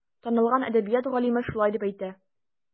Танылган әдәбият галиме шулай дип әйтә.